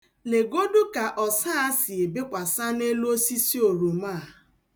Legodu ka ọsa a si ebekwasa n'elu osisi oroma a.